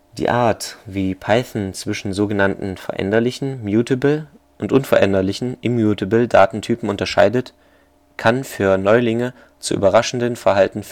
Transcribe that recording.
Die Art, wie Python zwischen so genannten „ veränderlichen “(mutable) und „ unveränderlichen “(immutable) Datentypen unterscheidet, kann für Neulinge zu überraschendem Verhalten